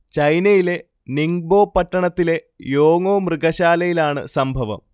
ചൈനയിലെ നിങ്ബോ പട്ടണത്തിലെ യോങോ മൃഗശാലയിലാണ് സംഭവം